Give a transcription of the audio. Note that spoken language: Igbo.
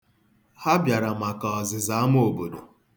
Ha bịara maka ọzịza ama obodo.